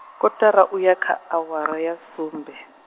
kotara uya kha awara ya sumbe.